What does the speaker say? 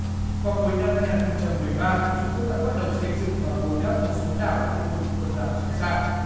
vào cuối năm hai ngàn không trăm mười ba trung quốc đã bắt đầu xây dựng và bồi đắp một số đảo ở khu vực quần đảo trường sa